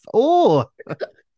Ww!